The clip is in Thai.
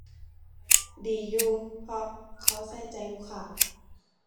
ดีอยู่ เพราะเขาใส่ใจลูกค้า